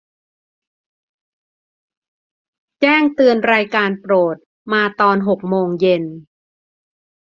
แจ้งเตือนรายการโปรดมาตอนหกโมงเย็น